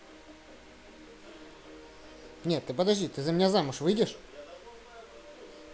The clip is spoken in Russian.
нет ты подожди ты за меня замуж выйдешь